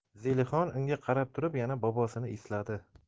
zelixon unga qarab turib yana bobosini esladi